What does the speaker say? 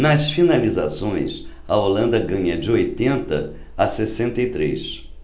nas finalizações a holanda ganha de oitenta a sessenta e três